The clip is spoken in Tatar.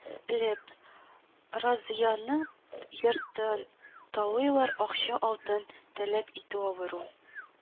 Леп, разыяның йортын талыйлар, акча, алтын таләп итеп, авыру